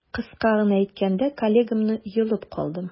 Кыска гына әйткәндә, коллегамны йолып калдым.